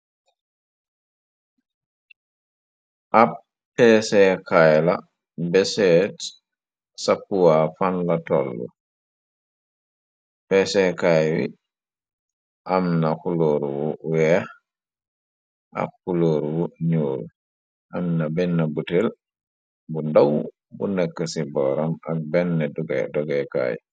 Ab pskaay la beseet sapuwa fanla toll pskaay wi am na xulóor wu weex ab xulóor wu nuur am na benn butel bu ndaw bu nëkk ci booram ak benn dogeekaay.